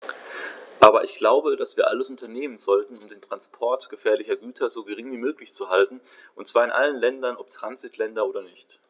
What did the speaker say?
Aber ich glaube, dass wir alles unternehmen sollten, um den Transport gefährlicher Güter so gering wie möglich zu halten, und zwar in allen Ländern, ob Transitländer oder nicht.